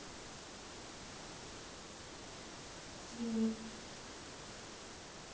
извини